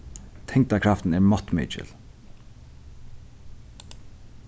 tyngdarkraftin er máttmikil